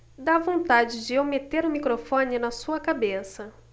dá vontade de eu meter o microfone na sua cabeça